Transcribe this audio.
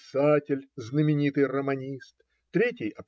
писатель, знаменитый романист, третий